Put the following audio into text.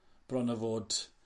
bron a fod